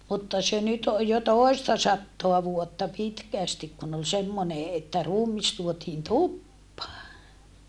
mutta se nyt on jo toista sataa vuotta pitkästi kun oli semmoinen että ruumis tuotiin tupaan